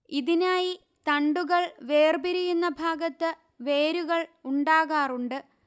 ഇതിനായി തണ്ടുകൾ വേർപിരിയുന്ന ഭാഗത്ത് വേരുകൾ ഉണ്ടാകാറുണ്ട്